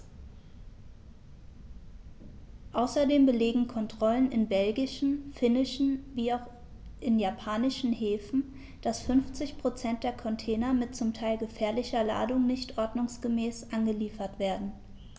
Außerdem belegen Kontrollen in belgischen, finnischen wie auch in japanischen Häfen, dass 50 % der Container mit zum Teil gefährlicher Ladung nicht ordnungsgemäß angeliefert werden.